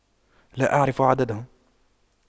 لا اعرف عددهم